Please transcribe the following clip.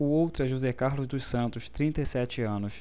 o outro é josé carlos dos santos trinta e sete anos